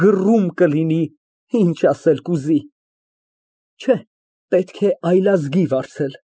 Չէ, պետք է այլազգի վարձել։